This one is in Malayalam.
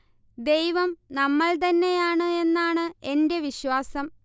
ദൈവം നമ്മൾ തന്നെയാണ് എന്നാണ് എന്റെ വിശ്വാസം